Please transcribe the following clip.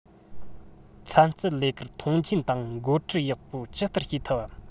ཚན རྩལ ལས ཀར མཐོང ཆེན དང འགོ ཁྲིད ཡག པོ ཇི ལྟར བྱེད ཐུབ བམ